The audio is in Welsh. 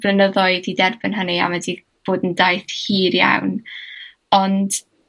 flynyddoedd i dderbyn hynny a ma' 'di bod yn daith hir iawn, ond